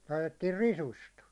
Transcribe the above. laitettiin risusta